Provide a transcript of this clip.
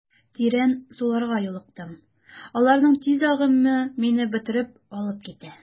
Тирән суларга юлыктым, аларның тиз агымы мине бөтереп алып китә.